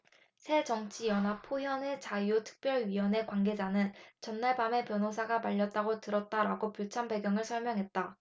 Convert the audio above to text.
새정치연합 표현의자유특별위원회 관계자는 전날 밤에 변호사가 말렸다고 들었다라고 불참 배경을 설명했다